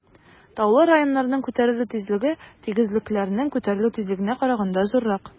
Таулы районнарның күтәрелү тизлеге тигезлекләрнең күтәрелү тизлегенә караганда зуррак.